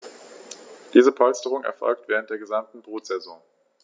Diese Polsterung erfolgt während der gesamten Brutsaison.